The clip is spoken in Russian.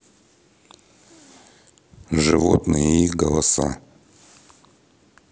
животные и их голоса